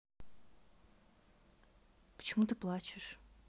почему ты плачешь